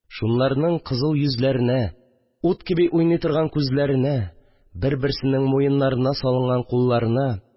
Шуларның кызыл йөзләренә, ут кеби уйный торган күзләренә, бер-берсенең муеннарына салынган кулларына